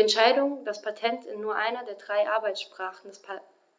Die Entscheidung, das Patent in nur einer der drei Arbeitssprachen des